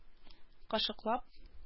Кашыклап